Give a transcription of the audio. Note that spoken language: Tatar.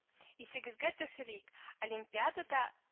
Исегезгә төшерик: олимпиадада